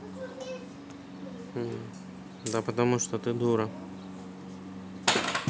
да потому что ты дура